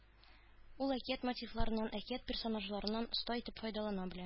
Ул әкият мотивларыннан, әкият персонажларыннан оста итеп файдалана белә